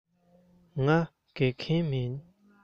ང དགེ རྒན མིན